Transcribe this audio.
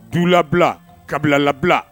Du labila, kabila labila!